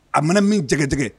A mana min jɛgɛtigɛ